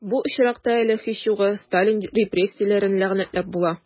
Бу очракта әле, һич югы, Сталин репрессияләрен ләгънәтләп була...